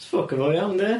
So ffwc o foi iawn yndi?